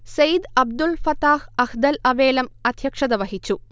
സെയ്ദ് അബ്ദുൽ ഫത്താഹ് അഹ്ദൽ അവേലം അധ്യക്ഷത വഹിച്ചു